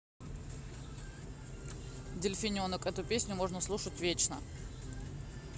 дельфиненок эту песню можно слушать вечно